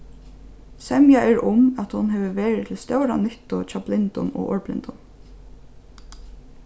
semja er um at hon hevur verið til stóra nyttu hjá blindum og orðblindum